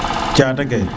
cate ke